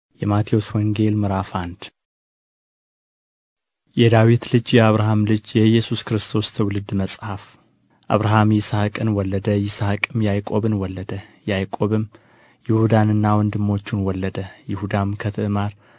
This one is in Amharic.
﻿የማቴዎስ ወንጌል ምዕራፍ አንድ የዳዊት ልጅ የአብርሃም ልጅ የኢየሱስ ክርስቶስ ትውልድ መጽሐፍ አብርሃም ይስሐቅን ወለደ ይስሐቅም ያዕቆብን ወለደ ያዕቆብም ይሁዳንና ወንድሞቹን ወለደ ይሁዳም ከትዕማር